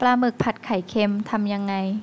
ปลาหมึกผัดไข่เค็มทำยังไง